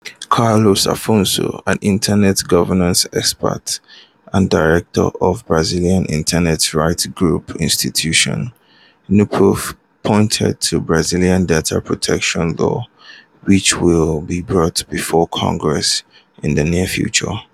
Carlos Afonso, an Internet governance expert and director of Brazilian Internet rights group Instituto Nupef, pointed to Brazil's Data Protection Law, which will be brought before Congress in the near future.